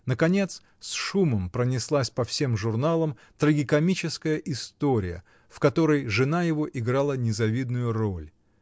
наконец с шумом пронеслась по всем журналам трагикомическая история, в которой жена его играла незавидную роль.